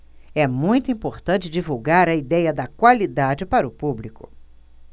é muito importante divulgar a idéia da qualidade para o público